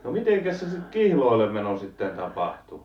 no mitenkäs se sitten kihloille meno sitten tapahtui